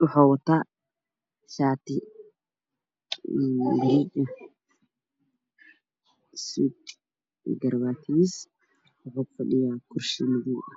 Waxuu wataa shaati, suud iyo garabaatigiisa.